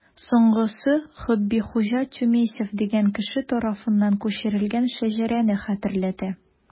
Соңгысы Хөббихуҗа Тюмесев дигән кеше тарафыннан күчерелгән шәҗәрәне хәтерләтә.